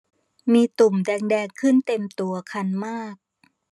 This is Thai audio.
มีตุ่มแดงแดงขึ้นเต็มตัวคันมาก